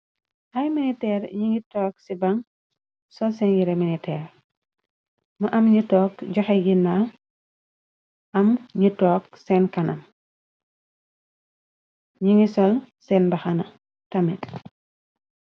Ay miniteer ñu ngi tok ci bang, sol sen yire miniteer. Mu am nu tok joxe sen ganaw, am nu tok sen kanam, ñu ngi sol sen baxana tamit.